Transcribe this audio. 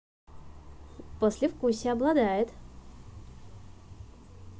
послевкусие обладает